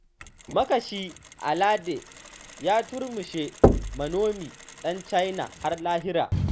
Makashi Alade ya Turmushe Manomi Dan China har Lahira